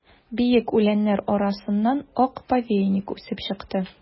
Биек үләннәр арасыннан ак повейник үсеп чыкты.